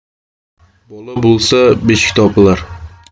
bola bo'lsa beshik topilar